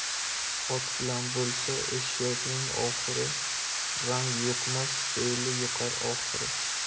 ot bilan bo'lsa eshakning oxuri rangi yuqmas fe'li yuqar oxiri